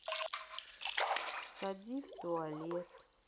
сходи в туалет